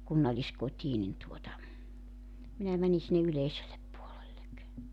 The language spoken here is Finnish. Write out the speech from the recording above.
kunnalliskotiin niin tuota minä menin sinne yleiselle puolelle